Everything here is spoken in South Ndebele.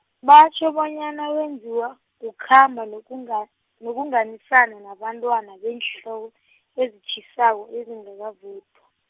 batjho bonyana wenziwa, kukhamba nokunga- nokunganisana nabantwana beenhloko , ezitjhisako ezingakavuthwa.